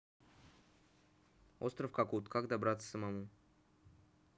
остров какут как добраться самому